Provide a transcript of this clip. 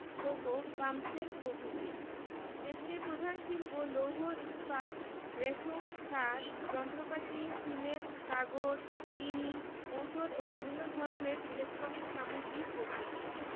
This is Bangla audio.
কোকো পামতেল প্রভৃতি দেশটির প্রধান শিল্প লৌহ ইস্পাত রেশম সার যন্ত্রপাতি সিমেন্ট কাগজ চিনি ঔষধ ও বিভিন্ন ধরনের ইলেকট্রনিক্স সামগ্রী প্রভ্রিতি